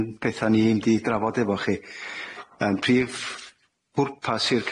un petha ni mynd i drafod efo chi yym prif bwrpas i'r